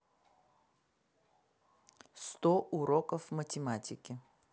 сто уроков математики